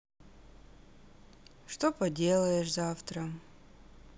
что поделаешь завтра